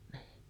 niin